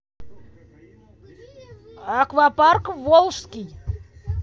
аквапарк волжский